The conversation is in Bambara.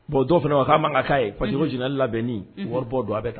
Bon dɔw fana ko k'a man kan k'a ye parce que ko general labɛnni wari bɔ don a bɛ